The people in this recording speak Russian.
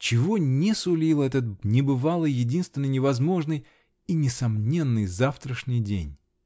чего не сулил этот небывалый, единственный, невозможный -- и несомненный завтрашний день!